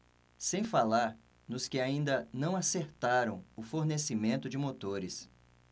sem falar nos que ainda não acertaram o fornecimento de motores